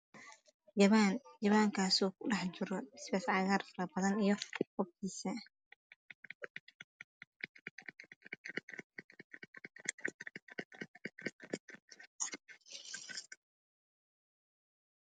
Jawaan jawankaas oo ku dhex jira basbas cagaar faro badan iyo qubkiisa